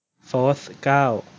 โฟธเก้า